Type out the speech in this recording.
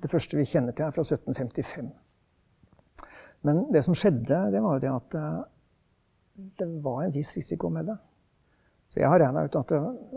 det første vi kjenner til er fra syttenfemtifem, men det som skjedde det var jo det at det var en viss risiko med det så jeg har regna ut at,